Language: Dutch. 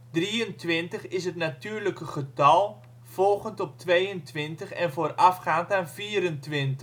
Drieëntwintig is het natuurlijke getal volgend op 22 en voorafgaand aan 24.